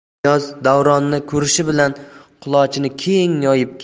niyoz davronni ko'rishi bilan qulochini keng